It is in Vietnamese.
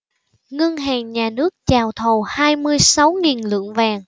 ngân hàng nhà nước chào thầu hai mươi sáu nghìn lượng vàng